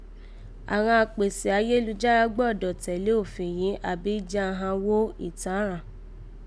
Àghan akpèsè ayélujára gbọ́dọ̀ tẹ̀lé òfin yìí àbí jí aan ghanghó ìtánràn